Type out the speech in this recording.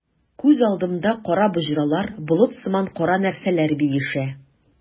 Күз алдымда кара боҗралар, болыт сыман кара нәрсәләр биешә.